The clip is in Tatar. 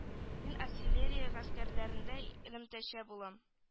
Мин артиллерия гаскәрләрендә элемтәче булам